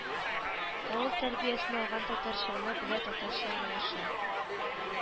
Авыл тәрбиясен алган татарчаны белә татарча аралаша